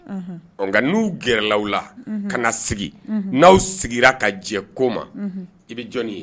N'u gɛrɛlaw la ka sigi n'aw sigira ka jɛ ko ma i bɛ jɔn ye